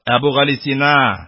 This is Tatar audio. Әбүгалисина,